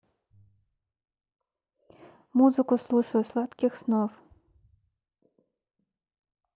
музыку слушаю сладких снов